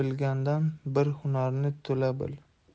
bir hunarni to'la bil